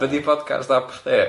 Be 'di podcast app chdi?